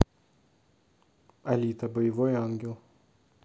алита боевой ангел